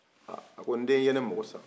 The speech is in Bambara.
a a ko den i ye ne mako sa